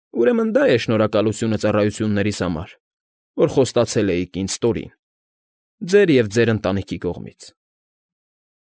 Ուրեմն դա է շնորհակալությունը ծառայություններիս համար, որ խոստացել էիք ինձ, Տորին, ձեր և ձեր ընտանիքի կողմից։